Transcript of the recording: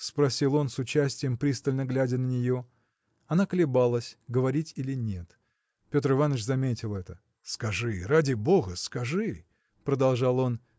– спросил он с участием, пристально глядя на нее. Она колебалась, говорить или нет. Петр Иваныч заметил это. – Скажи, ради бога, скажи! – продолжал он